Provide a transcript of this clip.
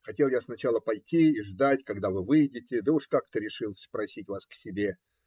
Хотел я сначала пойти и ждать, когда вы выйдете, да уж как-то решился просить вас к себе.